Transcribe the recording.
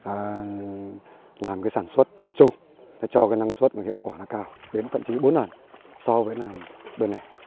ta làm cái sản xuất tập trung thế cho cái năng suất và hiệu quả nó cao đến thậm chí bốn lần so với làm bên này